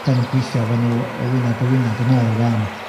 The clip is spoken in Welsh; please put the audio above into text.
'dan ni'n gweithio efo nw y wynab y wynab yn ôl 'wan